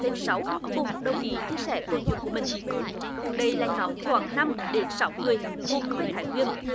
tên sáu cũng đồng ý chia sẻ câu chuyện của mình đây là nhóm khoảng năm đến sáu người cùng quê thái nguyên